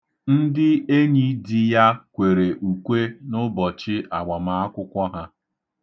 Ndị enyi di ya kwere ukwe n'ụbọchị agbamakwụkwọ ha.